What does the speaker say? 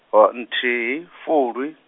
o nthihi fulwi.